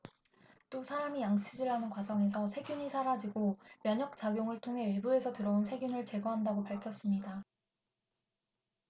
또 사람이 양치질하는 과정에서 세균이 사라지고 면역작용을 통해 외부에서 들어온 세균을 제거한다고 밝혔습니다